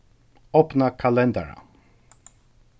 opna kalendara